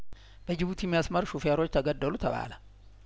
በጅቡቲ መስመር ሹፌሮች ተገደሉ ተባለ